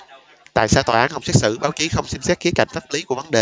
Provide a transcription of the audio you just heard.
tại sao tòa án không xét xử báo chí không xem xét khía cạnh pháp lý của vấn đề